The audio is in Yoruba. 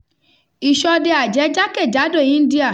Ìṣọdẹ-àjẹ́ jákèjádò India